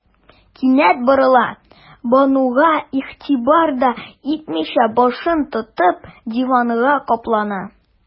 Кинәт борыла, Бануга игътибар да итмичә, башын тотып, диванга каплана.